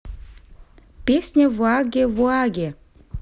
песня voyage voyage